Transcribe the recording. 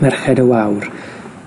Merched y Wawr